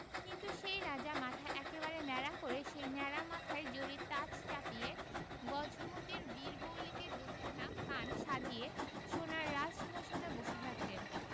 কিন্তু সেই রাজা মাথা একেবারে ন্যাড়া করে সেই ন্যাড়া মাথায় জরির তাজ চাপিয়ে গজমোতির বীরবৌলিতে দুখানা কান সাজিয়ে সোনার রাজসিংহাসনে বসে থাকতেন